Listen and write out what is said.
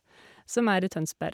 Som er i Tønsberg.